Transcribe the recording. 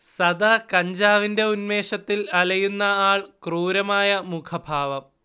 സദാ കഞ്ചാവിന്റെ ഉന്മേഷത്തിൽ അലയുന്ന ആൾ ക്രൂരമായ മുഖഭാവം